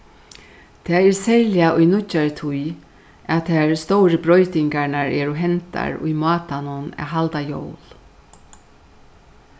tað er serliga í nýggjari tíð at tær stóru broytingarnar eru hendar í mátanum at halda jól